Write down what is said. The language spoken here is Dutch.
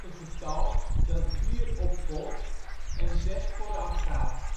getal dat vier opvolgt en zes voorafgaat